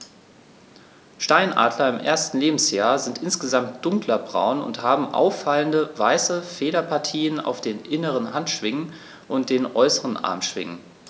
Steinadler im ersten Lebensjahr sind insgesamt dunkler braun und haben auffallende, weiße Federpartien auf den inneren Handschwingen und den äußeren Armschwingen.